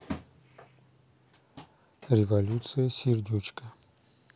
революция сердючка